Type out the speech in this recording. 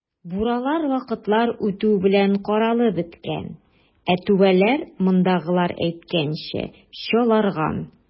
Буралар вакытлар үтү белән каралып беткән, ә түбәләр, мондагылар әйткәнчә, "чаларган".